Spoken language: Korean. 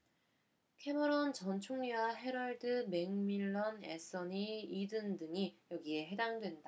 캐머런 전 총리와 해럴드 맥밀런 앤서니 이든 등이 여기에 해당한다